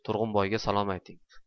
turg'unboyga salom ayting